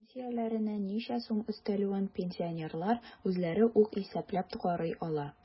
Пенсияләренә ничә сум өстәлүен пенсионерлар үзләре үк исәпләп карый ала.